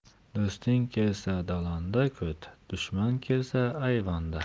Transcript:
do'sting kelsa dolonda kut dushman kelsa ayvonda